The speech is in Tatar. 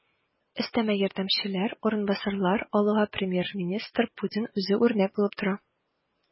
Өстәмә ярдәмчеләр, урынбасарлар алуга премьер-министр Путин үзе үрнәк булып тора.